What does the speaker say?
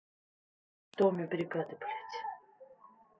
томми бригады блядь